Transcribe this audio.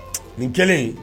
Nin kɛlen